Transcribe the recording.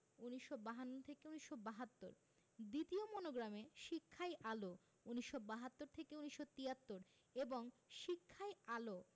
১৯৫২ থেকে ১৯৭২ দ্বিতীয় মনোগ্রামে শিক্ষাই আলো ১৯৭২ থেকে ১৯৭৩ এবং শিক্ষাই আলো